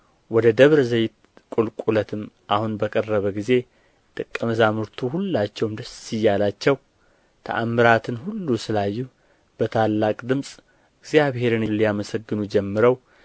ወደ ደብረ ዘይት ቍልቍለትም አሁን በቀረበ ጊዜ ደቀ መዛሙርቱ ሁላቸው ደስ እያላቸው ተአምራትን ሁሉ ስላዩ በታላቅ ድምፅ እግዚአብሔርን ሊያመሰግኑ ጀምረው